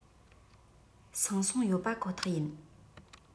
སངས སོང ཡོད པ ཁོ ཐག ཡིན